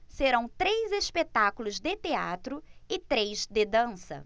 serão três espetáculos de teatro e três de dança